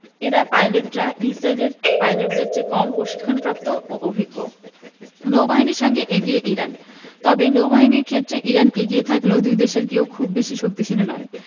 এর পাইলটেরা ইসরায়েলের পাইলটদের চেয়ে কম প্রশিক্ষণপ্রাপ্ত ও অভিজ্ঞ নৌবাহিনীর ক্ষেত্রে এগিয়ে ইরান তবে নৌবাহিনীর ক্ষেত্রে ইরান এগিয়ে থাকলেও দুই দেশের কেউই খুব বেশি শক্তিশালী নয়